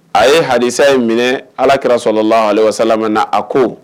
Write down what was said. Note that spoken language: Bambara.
A ye hadisa in minɛ alakira sɔlala waleyi wa salam na, a ko